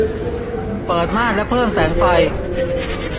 เปิดม่านและเพิ่มแสงไฟ